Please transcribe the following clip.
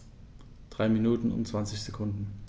3 Minuten und 20 Sekunden